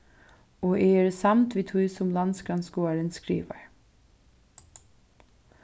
og eg eri samd við tí sum landsgrannskoðarin skrivar